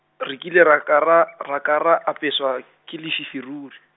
re kile ra ka ra, ra ka ra apeswa, ke lefifi ruri.